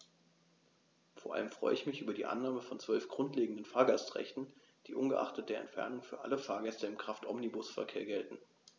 Vor allem freue ich mich über die Annahme von 12 grundlegenden Fahrgastrechten, die ungeachtet der Entfernung für alle Fahrgäste im Kraftomnibusverkehr gelten.